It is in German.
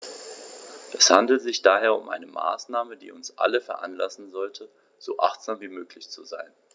Es handelt sich daher um eine Maßnahme, die uns alle veranlassen sollte, so achtsam wie möglich zu sein.